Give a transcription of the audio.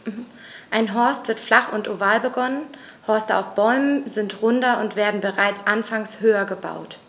Ein Horst wird flach und oval begonnen, Horste auf Bäumen sind runder und werden bereits anfangs höher gebaut.